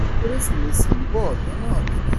Kérésìmesì ń bọ̀ lọ́nà dẹ̀dẹ̀.